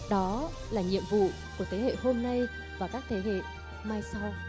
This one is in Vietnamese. đó là nhiệm vụ của thế hệ hôm nay và các thế hệ mai sau